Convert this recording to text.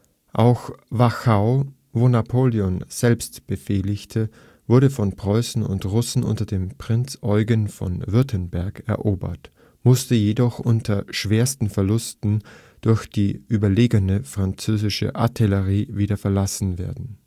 Auch Wachau, wo Napoleon selbst befehligte, wurde von Preußen und Russen unter dem Prinzen Eugen von Württemberg erobert, musste jedoch unter schwersten Verlusten durch die überlegene französische Artillerie wieder verlassen werden